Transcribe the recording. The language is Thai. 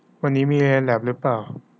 วันนี้มีเรียนแล็บรึป่าว